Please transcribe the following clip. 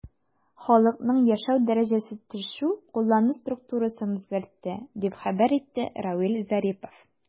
Халыкның яшәү дәрәҗәсе төшү куллану структурасын үзгәртте, дип хәбәр итте Равиль Зарипов.